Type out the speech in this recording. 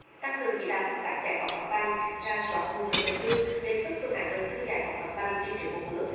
tăng cường chỉ đạo công tác giải phóng mặt bằng rà soát nguồn lực đầu tư đề xuất phương án đầu tư giải phóng mặt bằng đi trước một bước